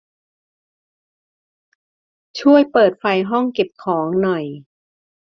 ช่วยเปิดไฟห้องเก็บของหน่อย